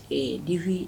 Ɛɛ difi